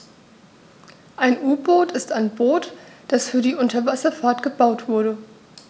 Ein U-Boot ist ein Boot, das für die Unterwasserfahrt gebaut wurde.